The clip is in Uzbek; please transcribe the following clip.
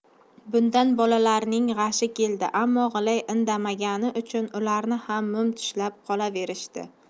bundan bolalarning g'ashi keldi ammo g'ilay indamagani uchun ular ham mum tishlab qolaverishdi